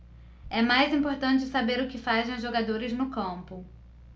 é mais importante saber o que fazem os jogadores no campo